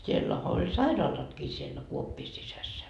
siellähän oli sairaalatkin siellä kuoppien sisässä